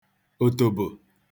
òtòbò